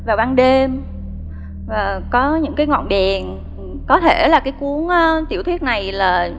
vào ban đêm và có những cái ngọn đèn có thể là cái cuốn tiểu thuyết này là